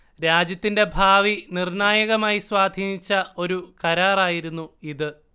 രാജ്യത്തിന്റെ ഭാവി നിർണായകമായി സ്വാധീനിച്ച ഒരു കരാറായിരുന്നു ഇത്